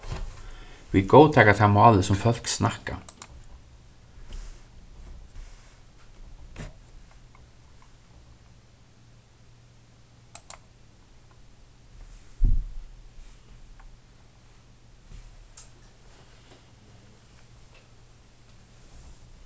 vit góðtaka tað málið sum fólk snakka